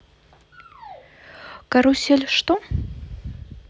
карусель что